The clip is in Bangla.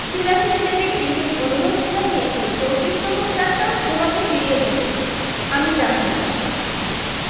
বিলাসিনী দেবীকে বিশেষ অনুরোধ জানিয়ে ওই চোত্রিশ নম্বর ফ্ল্যাটেও তোমাকে ফিরিয়ে দেবো আমি জানতে চাই